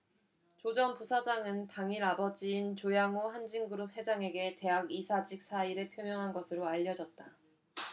조 전 부사장은 당일 아버지인 조양호 한진그룹 회장에게 대학 이사직 사의를 표명한 것으로 알려졌다